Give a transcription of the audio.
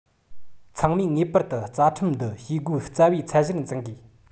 ཚང མས ངེས པར དུ རྩ ཁྲིམས འདི བྱེད སྒོའི རྩ བའི ཚད གཞིར འཛིན དགོས